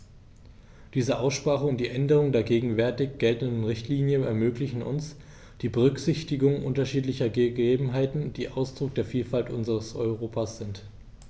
Diese Aussprache und die Änderung der gegenwärtig geltenden Richtlinie ermöglichen uns die Berücksichtigung unterschiedlicher Gegebenheiten, die Ausdruck der Vielfalt unseres Europas sind.